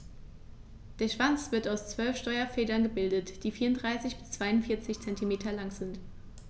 Der Schwanz wird aus 12 Steuerfedern gebildet, die 34 bis 42 cm lang sind.